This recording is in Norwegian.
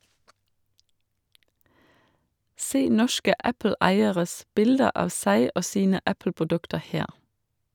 Se norske Apple-eieres bilder av seg og sine Apple-produkter her!